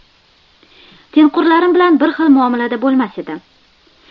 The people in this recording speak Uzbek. tengqurlarim bilan bir xil muomalada bo'lmas edim